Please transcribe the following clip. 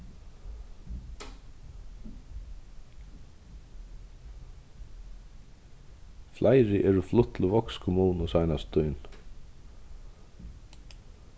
fleiri eru flutt til vágs kommunu seinastu tíðina